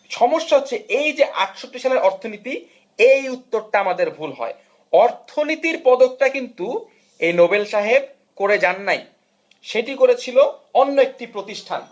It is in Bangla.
সমস্যা হচ্ছে এই যে 68 সালের অর্থনীতি এই উত্তরটা আমাদের ভুল হয় অর্থনীতির পদ টা কিন্তু এ নোবেল সাহেব করে যান নাই সেটি করেছিল অন্য একটি প্রতিষ্ঠান